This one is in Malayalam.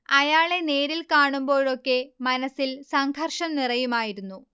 അയാളെ നേരിൽ കാണുമ്പോഴൊക്കെ മനസ്സിൽ സംഘർഷം നിറയുമായിരുന്നു